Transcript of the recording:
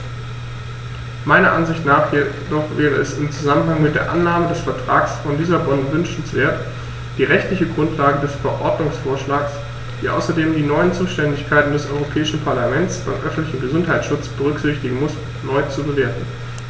Meiner Ansicht nach jedoch wäre es im Zusammenhang mit der Annahme des Vertrags von Lissabon wünschenswert, die rechtliche Grundlage des Verordnungsvorschlags, die außerdem die neuen Zuständigkeiten des Europäischen Parlaments beim öffentlichen Gesundheitsschutz berücksichtigen muss, neu zu bewerten.